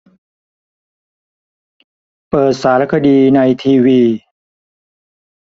เปิดสารคดีในทีวี